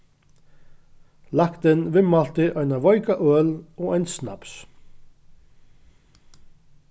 læknin viðmælti eina veika øl og ein snaps